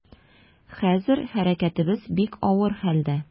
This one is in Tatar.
Хәзер хәрәкәтебез бик авыр хәлдә.